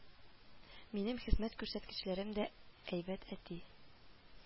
Минем хезмәт күрсәткечләрем дә әйбәт, әти